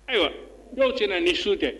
Ayiwa ,dɔw tɛ na ni su tɛ.